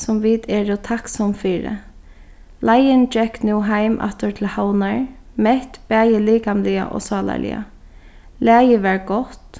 sum vit eru takksom fyri leiðin gekk nú heim aftur til havnar mett bæði likamliga og sálarliga lagið var gott